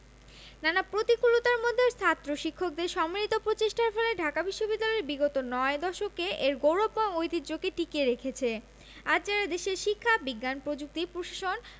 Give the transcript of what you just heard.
নানা প্রতিকূলতার মধ্যেও ছাত্র শিক্ষকদের সম্মিলিত প্রচেষ্টার ফলে ঢাকা বিশ্ববিদ্যালয় বিগত নয় দশকে এর গৌরবময় ঐতিহ্যকে টিকিয়ে রেখেছে আজ যাঁরা দেশের শিক্ষা বিজ্ঞান প্রযুক্তি প্রশাসন